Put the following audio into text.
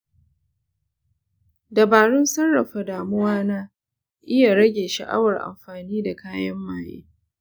dabarun sarrafa damuwa na iya rage sha’awar amfani da kayan maye.